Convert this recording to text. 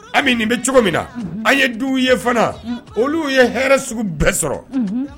Nin bɛ cogo min na an ye du ye fana olu ye hɛrɛɛɛrɛ sugu bɛɛ sɔrɔ